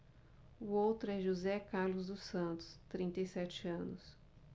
o outro é josé carlos dos santos trinta e sete anos